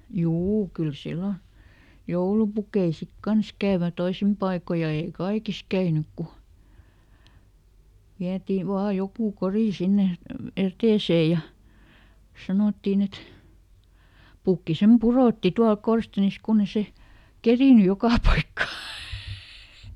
juu kyllä silloin joulupukkeja sitten kanssa kävi toisin paikoin ja ei kaikissa käynyt kun vietiin vain joku kori sinne ja eteiseen ja sanottiin että pukki sen pudotti tuolla korsteenissa kun ei se kerinnyt joka paikkaan